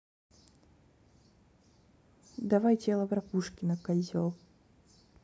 давай тело про пушкина козел